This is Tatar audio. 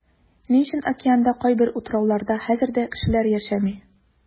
Ни өчен океанда кайбер утрауларда хәзер дә кешеләр яшәми?